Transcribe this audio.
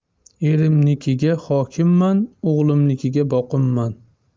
erimnikiga hokimman o'g'limnikiga boqimman